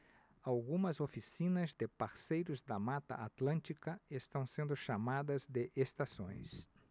algumas oficinas de parceiros da mata atlântica estão sendo chamadas de estações